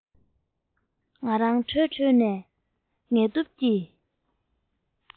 ང རང བྲོས བྲོས ནས ངལ དུབ ཀྱིས